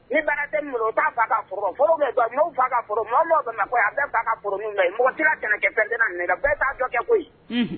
Ni foro kana a mɔgɔ sera ka bɛn' kɛ koyi